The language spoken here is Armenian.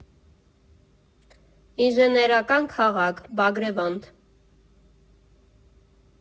Ինժեներական քաղաք, Բագրևանդ։